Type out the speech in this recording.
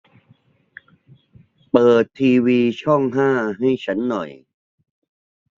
เปิดทีวีช่องห้าให้ฉันหน่อย